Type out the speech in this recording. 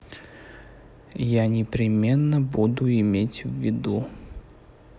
я непременно буду иметь в виду